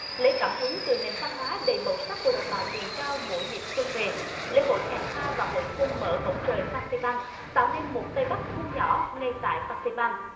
lấy cảm hứng từ nền văn hóa đầy màu sắc của đồng bào miền cao mối dịp xuân về lễ hội khèn hoa và hội xuân mở cổng trời phan xi păng tạo nên một tây bắc thu nhỏ ngay tại phan xi păng